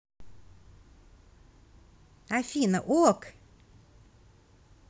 афина ок